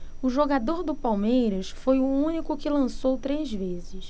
o jogador do palmeiras foi o único que lançou três vezes